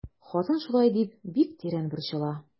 Хатын шулай дип бик тирән борчыла.